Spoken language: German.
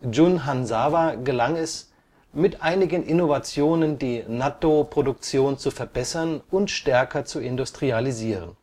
Jun Hanzawa gelang es, mit einigen Innovationen die Nattō-Produktion zu verbessern und stärker zu industrialisieren